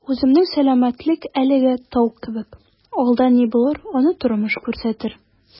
Үземнең сәламәтлек әлегә «тау» кебек, алда ни булыр - аны тормыш күрсәтер...